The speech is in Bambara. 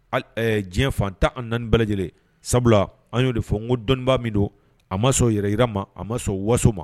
Diɲɛ fantan ani naani bɛɛ lajɛlen sabula an y'o de fɔ n ko dɔnniibaa min don a ma sɔn yɛrɛyra ma a ma sɔn waso ma